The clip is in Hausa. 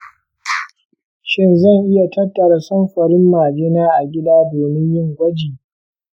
shin zan iya tattara samfurin majina a gida domin yin gwaji?